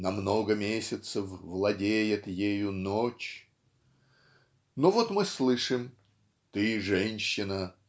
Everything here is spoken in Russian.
на много месяцев владеет ею Ночь") но вот мы слышим Ты женщина